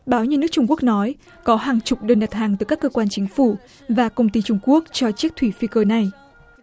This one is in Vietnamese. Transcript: báo nhà nước trung quốc nói có hàng chục đơn đặt hàng từ các cơ quan chính phủ và công ty trung quốc cho chiếc thủy phi cơ này